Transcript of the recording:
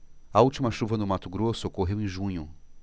a última chuva no mato grosso ocorreu em junho